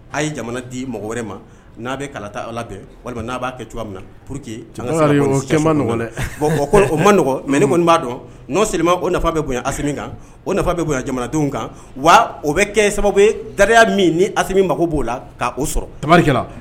A ye jamana di mɔgɔ wɛrɛ ma n'a bɛ kala taa ala walima n' b'a kɛ min na que mɛ ni kɔniɔni'a dɔn' o nafa bɛ a kan o nafa bɛ jamanadenw kan wa o bɛ kɛ sababu gariya min ni a mako b'o la k' sɔrɔri